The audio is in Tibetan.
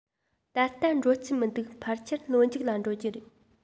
ད ལྟ འགྲོ རྩིས མི འདུག ཕལ ཆེར ལོ མཇུག ལ འགྲོ རྒྱུ རེད